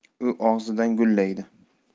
u og'zidan gullaydi